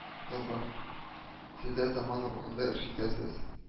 —кызык, сез дә заман рухында эш итәсез